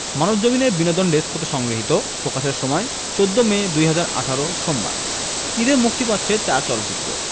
মানবজমিন এর বিনোদন ডেস্ক হতে সংগৃহীত প্রকাশের সময় ১৪ মে ২০১৮ সোমবার ঈদে মুক্তি পাচ্ছে চার চলচ্চিত্র